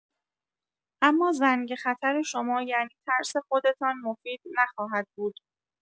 اما زنگ خطر شما یعنی ترس خودتان، مفید نخواهد بود.